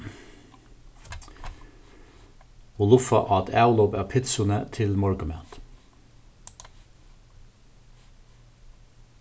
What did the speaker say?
oluffa át avlop av pitsuni til morgunmat